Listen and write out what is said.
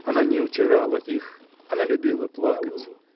она не утирала их: она любила плакать.